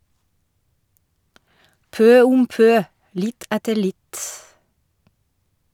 PØ OM PØ - litt etter litt.